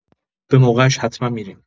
به موقعش حتما می‌ریم.